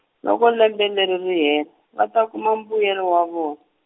loko lembe leri ri hela, va ta kuma mbuyelo wa vo-.